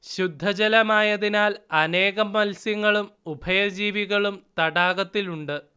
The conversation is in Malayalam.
ശുദ്ധജലമായതിനാൽ അനേകം മത്സ്യങ്ങളും ഉഭയ ജീവികളും തടാകത്തിലുണ്ട്